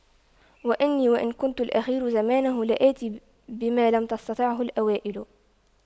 وإني وإن كنت الأخير زمانه لآت بما لم تستطعه الأوائل